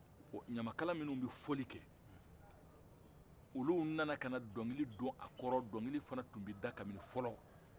o ɲamakala minnu bɛ fɔli kɛ olunana kanna dɔkili don a kɔrɔ dokili fana tun bɛ da kabini fɔlɔ